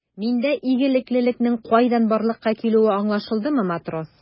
Миндә игелеклелекнең кайдан барлыкка килүе аңлашылдымы, матрос?